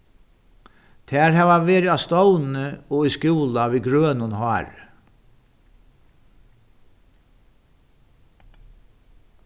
tær hava verið á stovni og í skúla við grønum hári